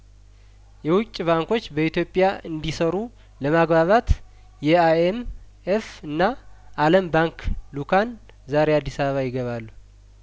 የውጭ ባንኮች በኢትዮጵያ እንዲሰሩ ለማግባባት የአይኤም ኤፍ እና አለም ባንክሉካን ዛሬ አዲስ አበባ ይገባሉ